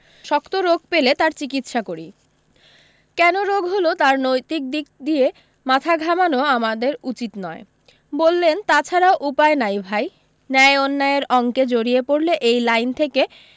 শক্ত রোগ পেলে তার চিকিৎসা করি কেন রোগ হলো তার নৈতিক দিক নিয়ে মাথা ঘামানো আমাদের উচিত নয় বললেন তা ছাড়া উপায় নাই ভাই ন্যায় অন্যায়ের অঙ্কে জড়িয়ে পড়লে এ লাইন থেকে